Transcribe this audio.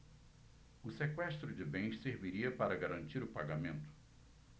o sequestro de bens serviria para garantir o pagamento